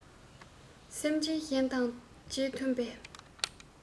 སེམས ཅན གཞན དང རྗེས མཐུན པའི